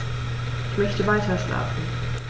Ich möchte weiterschlafen.